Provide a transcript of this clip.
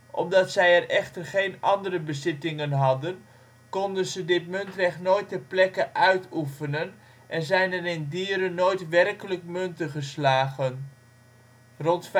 Omdat zij er echter geen andere bezittingen hadden, konden ze dit muntrecht nooit ter plekke uitoefenen en zijn er in Dieren nooit werkelijk munten geslagen. Rond